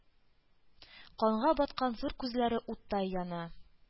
Канга баткан зур күзләре уттай яна.